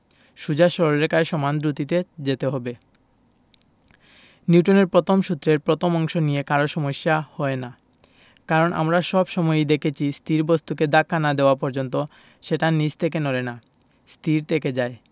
সোজা সরল রেখায় সমান দ্রুতিতে যেতে হবে নিউটনের প্রথম সূত্রের প্রথম অংশ নিয়ে কারো সমস্যা হয় না কারণ আমরা সব সময়ই দেখেছি স্থির বস্তুকে ধাক্কা না দেওয়া পর্যন্ত সেটা নিজ থেকে নড়ে না স্থির থেকে যায়